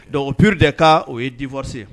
Don o purri de' o ye diwasi ye